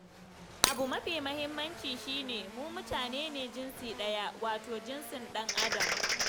Abu mafi muhimmanci shi ne, mu mutane ne, jinsi guda, wato jinsin ɗan-adam.